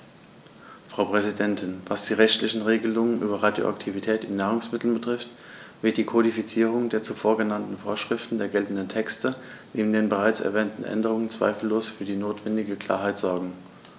Frau Präsidentin, was die rechtlichen Regelungen über Radioaktivität in Nahrungsmitteln betrifft, wird die Kodifizierung der zuvor genannten Vorschriften der geltenden Texte neben den bereits erwähnten Änderungen zweifellos für die notwendige Klarheit sorgen.